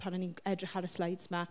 Pan o'n i'n edrych ar y sleids 'ma.